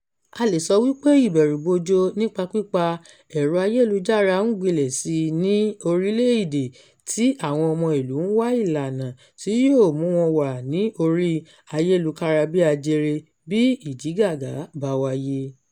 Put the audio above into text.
A lè sọ wípé ìbẹ̀rùbojo nípa pípa ẹ̀rọ-ayélujára ń gbilẹ̀ sí i ní orílẹ̀-èdè tí àwọn ọmọ-ìlú ń wá ìlànà tí yóò mú wọn wà ní orí ayélukára-bí-ajere bí ìdígàgá bá wáyé.